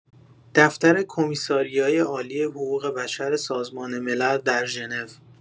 دفتر کمیساریای عالی حقوق‌بشر سازمان ملل در ژنو